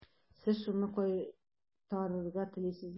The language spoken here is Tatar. Сез шуны кайтарырга телисезме?